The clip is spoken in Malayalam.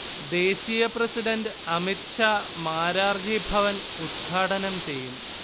ദേശീയ പ്രസിഡന്റ് അമിത്ഷാ മാരാർജി ഭവൻ ഉത്ഘാടനം ചെയ്യും